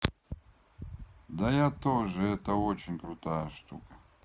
да я тоже это очень крутая штука